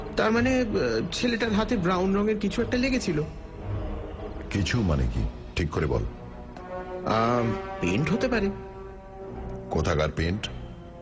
তার মানে ছেলেটার হাতে ব্রাউন রঙের কিছু একটা লেগেছিল কিছু মানে কী ঠিক করে বল পেন্ট হতে পারে কোথাকার পেন্ট